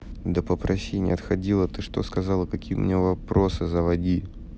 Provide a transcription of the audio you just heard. да попроси не отходила ты что сказала какие у меня вопросы заводи